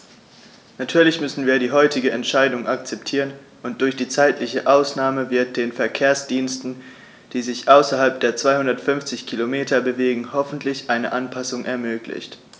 Natürlich müssen wir die heutige Entscheidung akzeptieren, und durch die zeitliche Ausnahme wird den Verkehrsdiensten, die sich außerhalb der 250 Kilometer bewegen, hoffentlich eine Anpassung ermöglicht.